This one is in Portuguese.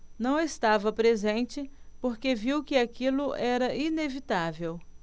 não estava presente porque viu que aquilo era inevitável